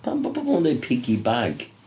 Pam bod pobl yn deud piggy bag?